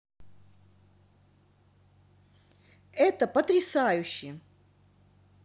это потрясающе